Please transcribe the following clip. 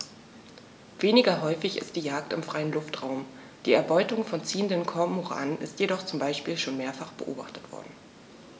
Weniger häufig ist die Jagd im freien Luftraum; die Erbeutung von ziehenden Kormoranen ist jedoch zum Beispiel schon mehrfach beobachtet worden.